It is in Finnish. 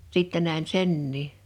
sitten näin senkin